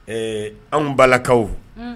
Ɛɛ anw balakaw